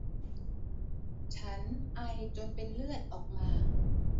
ฉันไอจนเป็นเลือดออกมา